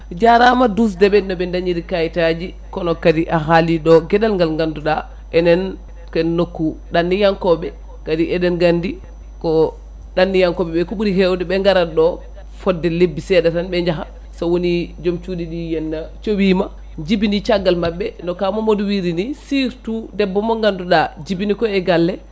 jarama dusdeɓe noɓe dañiri kayitaji kono kadi a haaliɗo gueɗal ngal ganduɗa enen ken nokku ɗanniyankoɓe kadi eɗen gandi ko ɗanniyankoɓeɓe ko ɓuuri hewde ɓe garat ɗo fodde lebbi seeɗa tan ɓe jaaha so woni joom cuuɗi ɗi henna cowima jibini caggal mabɓe no kaw Mamadou wirini surtout debbo mo ganduɗa jibini koye galle